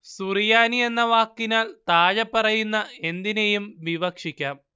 സുറിയാനി എന്ന വാക്കിനാല്‍ താഴെപ്പറയുന്ന എന്തിനേയും വിവക്ഷിക്കാം